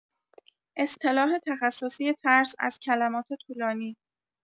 اصطلاح تخصصی ترس از کلمات طولانی